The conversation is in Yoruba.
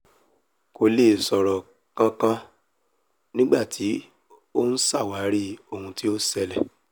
Kó lèe sọ̀rọ̀ kankan nígbà tí ó ṣàwárí ohun tí ó ṣẹlẹ̀.